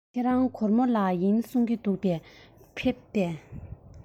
ཁྱེད རང གོར མོ ལ འགྲོ རྒྱུ ཡིན གསུང པས ཕེབས སོང ངམ